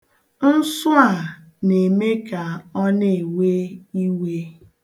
Nsụ a na-eme ka ọ na-ewe iwe.